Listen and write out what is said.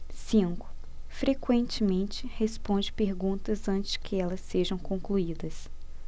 cinco frequentemente responde perguntas antes que elas sejam concluídas